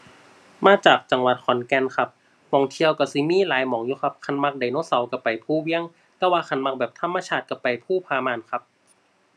มาจากจังหวัดขอนแก่นครับ หม้องเที่ยวก็สิมีหลายหม้องอยู่ครับ คันมักไดโนเสาร์ก็ไปภูเวียง แต่ว่าคันมักแบบธรรมชาติก็ไปภูผาม่าน